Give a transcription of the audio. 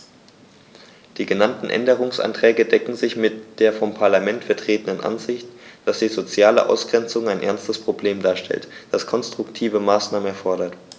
Die genannten Änderungsanträge decken sich mit der vom Parlament vertretenen Ansicht, dass die soziale Ausgrenzung ein ernstes Problem darstellt, das konstruktive Maßnahmen erfordert.